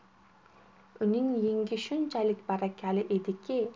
uning yengi shunchali barakali ediki